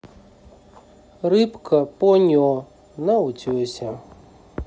рыбка поньо на утесе